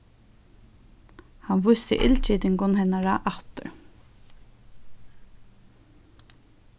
hann vísti illgitingum hennara aftur